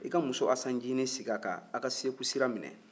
i ka n muso asan ncinin sigi a kan aw ka segu sira minɛ